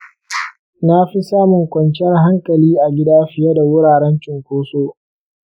na fi samun kwanciyar hankali a gida fiye da wuraren cunkoso.